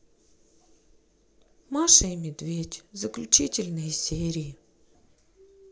маша и медведь заключительные серии